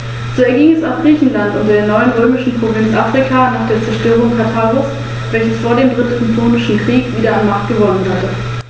Pergamon wurde durch Erbvertrag zur römischen Provinz.